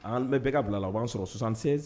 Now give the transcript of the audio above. An bɛ bɛɛ ka bila la u b'an sɔrɔ 76